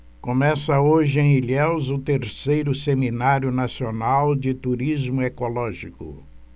começa hoje em ilhéus o terceiro seminário nacional de turismo ecológico